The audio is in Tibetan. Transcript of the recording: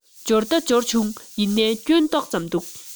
འབྱོར ད འབྱོར བྱུང ཡིན ནའི སྐྱོན ཏོག ཙམ འདུག